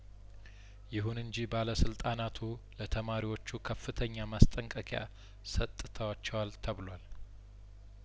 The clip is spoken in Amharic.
ይሁን እንጂ ባለስልጣናቱ ለተማሪዎቹ ከፍተኛ ማስጠንቀቂያ ሰጥተዋቸዋል ተብሏል